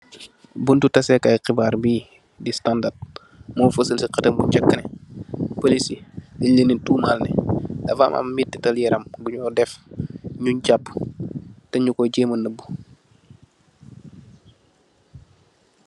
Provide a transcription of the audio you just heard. Buntu tasee kaay khibaar bii di Standard, mo feuseul si kheudeum bu njak neh, police yi nyinge leeni tumaal neh, dafa am maitital yaram bunyo def, nyunye japuh, danyu ko jaimeuh neubu.